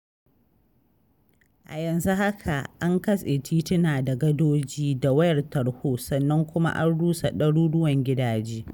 A yanzu haka, an katse tituna da gadoji da wayar tarho sannan kuma an rusa ɗaruruwan gidaje.